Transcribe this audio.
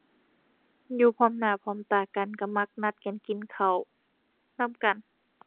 อยู่พร้อมหน้าพร้อมตากันก็มักนัดกันกินข้าวนำกัน